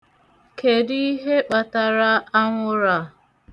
Kedụ ihe kpatara anwụrụ a?